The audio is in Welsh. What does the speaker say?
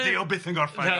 A dio byth yn gorffen go iawn.